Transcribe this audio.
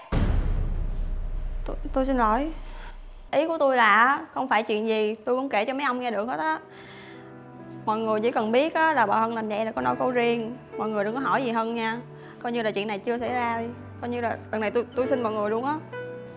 tui xin lỗi ý của tui là á không phải chuyện gì tui cũng kể cho mấy ông nghe được hết á mọi người chỉ cần biết á là bà hân làm vậy là có nỗi khổ riêng mọi người đừng hỏi gì hân nha coi như là chuyện này chưa xảy ra đi coi như là lần này tui xin mọi người luôn á